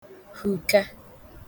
huka